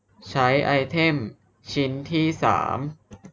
ใช้ไอเทมชิ้นที่สาม